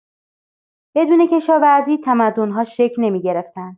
بدون کشاورزی، تمدن‌ها شکل نمی‌گرفتند.